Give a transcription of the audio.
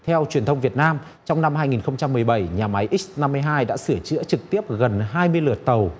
theo truyền thông việt nam trong năm hai nghìn không trăm mười bảy nhà máy x năm mươi hai đã sửa chữa trực tiếp gần hai mươi lượt tầu